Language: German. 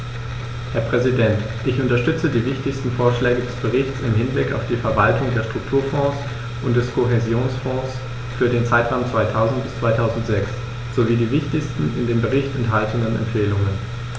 Herr Präsident, ich unterstütze die wichtigsten Vorschläge des Berichts im Hinblick auf die Verwaltung der Strukturfonds und des Kohäsionsfonds für den Zeitraum 2000-2006 sowie die wichtigsten in dem Bericht enthaltenen Empfehlungen.